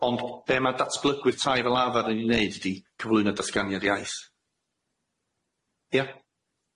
Ond be' ma' datblygwyr tai fel arfar yn neud ydi cyflwyno datganiad iaith. Ia.